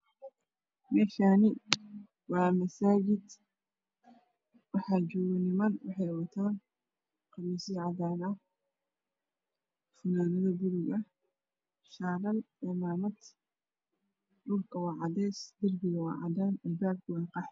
Meeshaan waa masaajid waxaa joogo niman waxay wataan qamiisyo cadaan ah iyo fanaanado buluug ah. Cimaamad iyo shaalal. Darbiguna waa cadaan , dhulkuna waa cadeys, albaabkuna waa qaxwi.